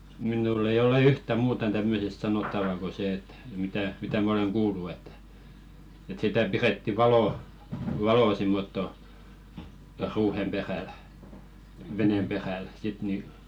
minulla ei ole yhtään muuta tämmöisestä sanottavaa kuin se että mitä mitä minä olen kuullut että että sitä pidettiin valoa valoa semmottoon ruuhen perällä veneen perällä sitten niin